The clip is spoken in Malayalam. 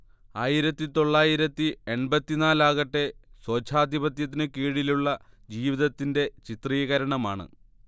ആയിരത്തിതൊള്ളായിരത്തി എൺപത്തിനാലാകട്ടെ സ്വേച്ഛാധിപത്യത്തിന് കീഴിലുള്ള ജീവിതത്തിന്റെ ചിത്രീകരണമാണ്